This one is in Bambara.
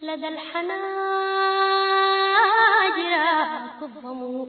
Tile ledira